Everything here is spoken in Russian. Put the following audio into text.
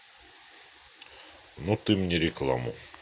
ну ты мне рекламу